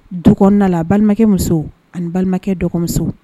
Duk la balimakɛ muso ani balimakɛ dɔgɔmuso